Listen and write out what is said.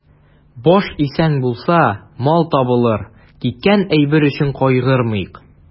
Баш исән булса, мал табылыр, киткән әйбер өчен кайгырмыйк.